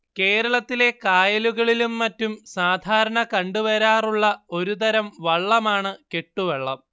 കേരളത്തിലെ കായലുകളിലും മറ്റും സാധാരണ കണ്ടുവരാറുള്ള ഒരു തരം വള്ളമാണ് കെട്ടുവള്ളം